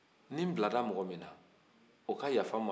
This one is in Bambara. ni n bila la mɔgɔ min na o ka yafa n ma